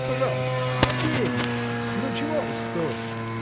Пожалуйста, наденьте: ну чего вам стоит?